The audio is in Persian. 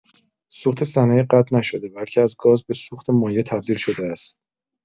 سوخت صنایع قطع نشده بلکه از گاز به سوخت مایع تبدیل شده است.